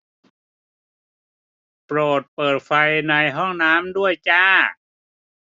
โปรดเปิดไฟในห้องน้ำด้วยจ้า